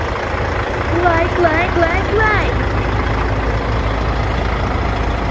лайк лайк лайк лайк